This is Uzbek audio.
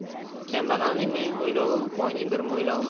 kambag'alning ming o'ylovi boyning bir mo'ylovi